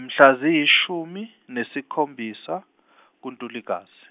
mhla ziyishumi nesikhombisa kuNtulikazi.